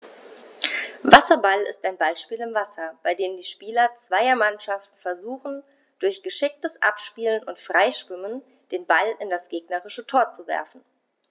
Wasserball ist ein Ballspiel im Wasser, bei dem die Spieler zweier Mannschaften versuchen, durch geschicktes Abspielen und Freischwimmen den Ball in das gegnerische Tor zu werfen.